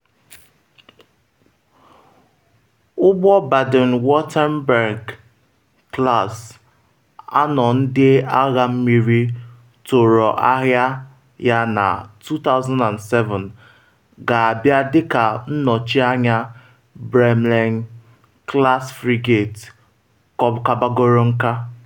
Ụgbọ Baden-Wuerttemberg-class anọ Ndị Agha Mmiri tụrụ ahịa ya na 2007 ga-abịa dịka nnọchi anya Bremen-class frigate kabagoro nka.